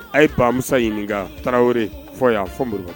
A ye ba musa ɲini taraweleori fɔ yan fɔm nba